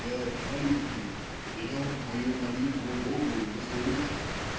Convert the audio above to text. "Я маленький, - днем мою молитву Богу не слышно".